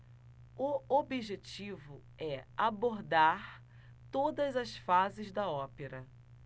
o objetivo é abordar todas as fases da ópera